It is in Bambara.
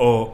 ɔ